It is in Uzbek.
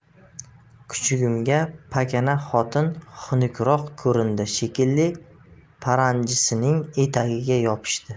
kuchugimga pakana xotin xunukroq ko'rindi shekilli paranjisining etagiga yopishdi